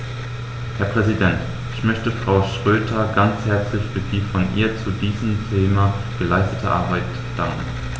Herr Präsident, ich möchte Frau Schroedter ganz herzlich für die von ihr zu diesem Thema geleistete Arbeit danken.